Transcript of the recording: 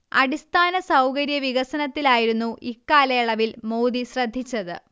അടിസ്ഥാന സൗകര്യ വികസനത്തിലായിരുന്നു ഇക്കാലയളവിൽ മോദി ശ്രദ്ധിച്ചത്